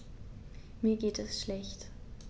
Mir geht es schlecht.